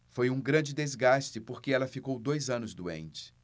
foi um grande desgaste porque ela ficou dois anos doente